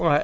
oui